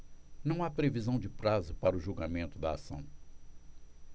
não há previsão de prazo para o julgamento da ação